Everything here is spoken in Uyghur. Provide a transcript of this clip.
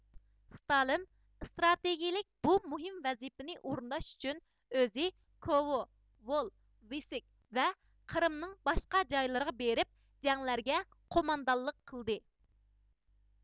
ستالىن ئىستراتېگىيىلىك بۇ مۇھىم ۋەزىپىنى ئورۇنداش ئۈچۈن ئۆزى كوۋو ۋول ۋىسك ۋە قىرىمنىڭ باشقا جايلىرىغا بېرىپ جەڭلەرگە قوماندانلىق قىلدى